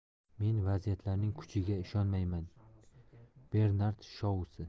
men vaziyatlarning kuchiga ishonmayman bernard shousi